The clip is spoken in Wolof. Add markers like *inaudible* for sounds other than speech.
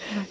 *hesitation*